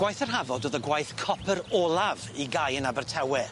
Gwaith yr Hafod o'dd y gwaith copyr olaf i gau yn Abertawe.